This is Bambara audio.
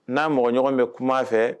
N'a mɔgɔɲɔgɔn bɛ kuma fɛ